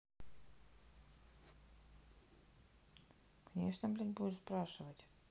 конечно блядь будешь спрашивать